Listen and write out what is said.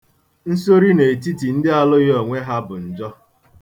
Nsori n'etiti ndị alụghị onwe ha bụ njọ.